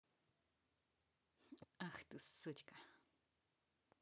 ах ты сучка